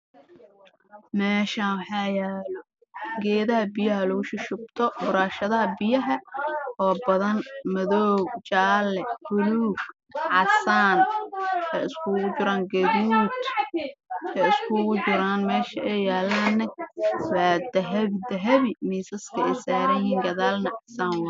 Meshan waxaa yaalo buraashada ha biyaha